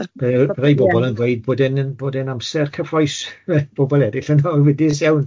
Ma' rei bobol yn gweud bod e'n yn bod e'n amser cyffroes bobol erill yn ofidus iawn.